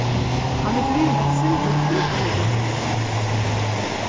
hann er blivin eitt sindur tunnhærdur nú